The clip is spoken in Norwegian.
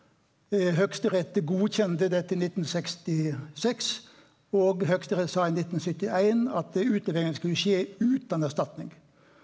høgsterett godkjende dette i 1966 og høgsterett sa i 1971 at utleveringa skulle skje utan erstatning.